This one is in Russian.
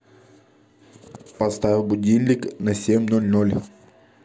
поставь будильник на семь ноль ноль